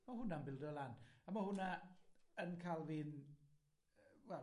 ma' hwnna'n bildo lan a ma' hwnna yn ca'l fi'n, yy, wel,